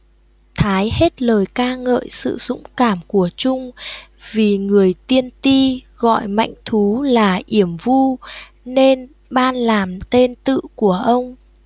thái hết lời ca ngợi sự dũng cảm của trung vì người tiên ti gọi mãnh thú là yểm vu nên ban làm tên tự của ông